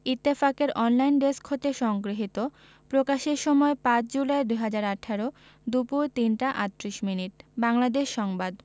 ইত্তফাকের online desk হতে সংগৃহীত প্রকাশের সময় ৫ জুলাই ২০১৮ দুপুর ৩টা ৩৮ মিনিট বাংলাদেশ সংবাদ